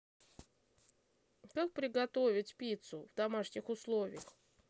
как приготовить пиццу в домашних условиях